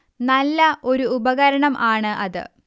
നല്ല ഒരു ഉപകരണം ആണ് അത്